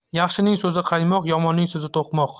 yaxshining so'zi qaymoq yomonning so'zi to'qmoq